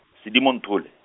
Sedimonthole.